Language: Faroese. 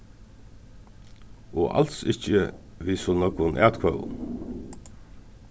og als ikki við so nógvum atkvøðum